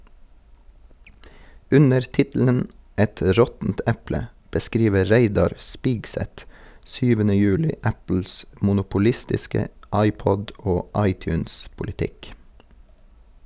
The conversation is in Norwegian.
Under tittelen "Et råttent eple" beskriver Reidar Spigseth 7. juli Apples monopolistiske iPod- og iTunes-politikk.